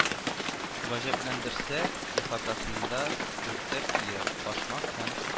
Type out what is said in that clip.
Гаҗәпләндерсә, ихатасында дүртәр сыер, башмак һәм